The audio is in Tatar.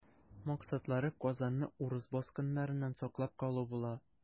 Максатлары Казанны урыс баскыннарыннан саклап калу була.